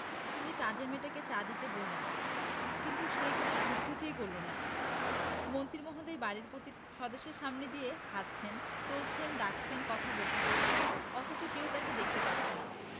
তিনি কাজের মেয়েটাকে চা দিতে বললেন কিন্তু সে কোনো ভ্রুক্ষেপই করল না মন্ত্রী মহোদয় বাড়ির প্রতিটি সদস্যের সামনে দিয়ে হাঁটছেন চলছেন ডাকছেন কথা বলছেন অথচ কেউ তাঁকে দেখতে পাচ্ছে না